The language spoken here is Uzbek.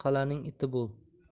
qal'aning iti bo'l